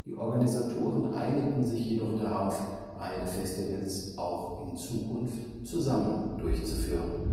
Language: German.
Organisatoren einigten sich jedoch darauf, beide Festivals auch in Zukunft zusammen durchzuführen